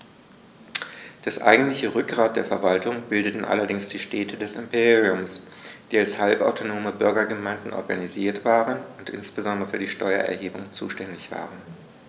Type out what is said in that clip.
Das eigentliche Rückgrat der Verwaltung bildeten allerdings die Städte des Imperiums, die als halbautonome Bürgergemeinden organisiert waren und insbesondere für die Steuererhebung zuständig waren.